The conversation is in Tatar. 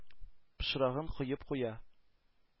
Пычрагын коеп куя.